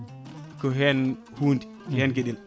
ko hen hunde hen gueɗel